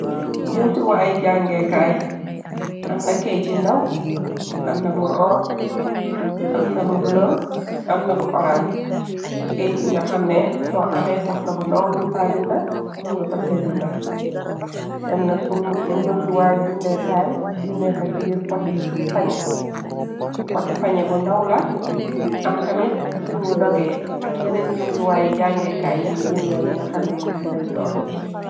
Njuumtiwaayi jangeekaay, amna keytyi ndaw, amna bu rose, amna bu blo, amna bu orange. Keyt yi nga xamne soo amee soxla bu ndowlin fa binda mu nga kocce binda, demna ci njuumtiwaaye bindeekaay yi nekka ci biir poti pañe, poti pañe bu ndawla am tamit liñuy dogee ak yeneen njumti waaye jangeekaay yi ñi bindee yi nga xamne mun ci ndey joor bi.